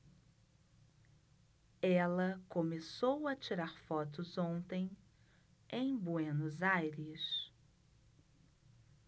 ela começou a tirar fotos ontem em buenos aires